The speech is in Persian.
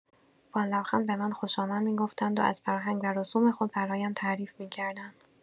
با لبخند به من خوشامد می‌گفتند و از فرهنگ و رسوم خود برایم تعریف می‌کردند.